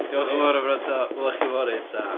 Diolch yn fawr am wrando. Wela i chi fory, ta.